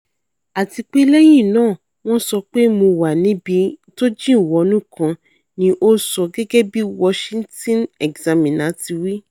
Àtipé lẹ́yìn náà wọn sọ pé Mo wà níbi tójìnwọnú kan, ní ó sọ, gẹ́gẹ́bí Washington Examiner ti wí.